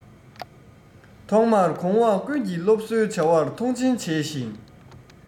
ཐོག མར གོང འོག ཀུན གྱིས སློབ གསོའི བྱ བར མཐོང ཆེན བྱས ཤིང